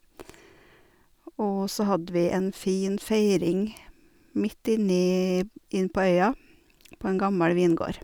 Og så hadde vi en fin feiring midt inni innpå øya, på en gammel vingård.